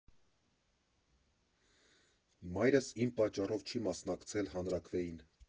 Մայրս իմ պատճառով չի մասնակցել հանրաքվեին։